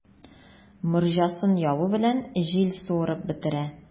Морҗасын ябу белән, җил суырып бетерә.